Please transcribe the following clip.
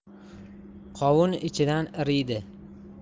qovun ichidan iriydi